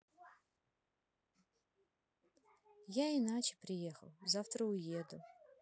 я иначе приехал завтра уеду